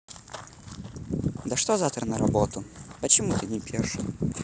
да что завтра на работу почему ты не пьешь